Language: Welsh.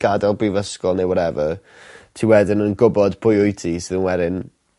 gadel brifysgol ne' wharever ti wedyn yn gwbod pwy wyt ti sydd wedyn